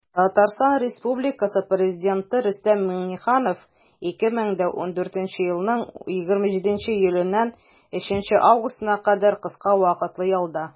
Татарстан Республикасы Президенты Рөстәм Миңнеханов 2014 елның 27 июленнән 3 августына кадәр кыска вакытлы ялда.